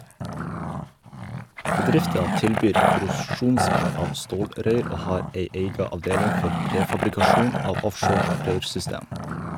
Bedrifta tilbyr korrosjonsvern av stålrøyr, og har ei eiga avdeling for prefabrikasjon av offshore røyrsystem.